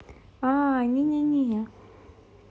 а не не не